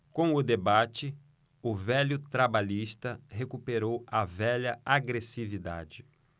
com o debate o velho trabalhista recuperou a velha agressividade